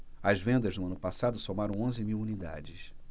as vendas no ano passado somaram onze mil unidades